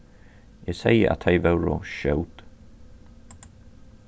eg segði at tey vóru skjót